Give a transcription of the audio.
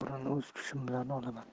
sovrinni o'z kuchim bilan olaman